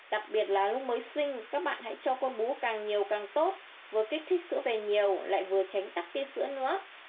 đặc biệt là lúc mới sinh các bạn hãy cho con bú càng nhiều càng tốt vừa kích thích sữa về nhiều lại vừa tránh tắc tia sữa nữa